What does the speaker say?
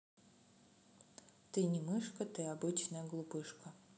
ты не мышка ты обычная глупышка